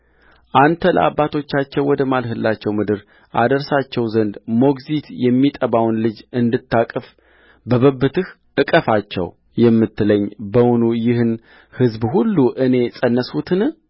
አንተ ለአባቶቻቸው ወደ ማልህላቸው ምድር አደርሳቸው ዘንድ ሞግዚት የሚጠባውን ልጅ እንድታቀፍ በብብትህ እቀፋቸው የምትለኝ በውኑ ይህን ሕዝብ ሁሉ እኔ ፀነስሁትን